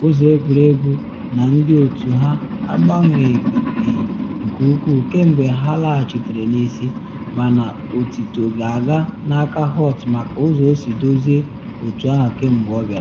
Ụzọ egwuregwu na ndị otu ha agbanweghị nke ukwuu kemgbe ha laghachitere n’isi, mana otito ga-aga n’aka Holt maka ụzọ o si dozie otu ahụ kemgbe ọ bịara.